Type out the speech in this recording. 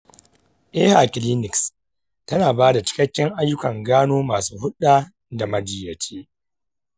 eha clinics tana ba da cikakkun ayyukan gano masu hulɗa da majiyyaci.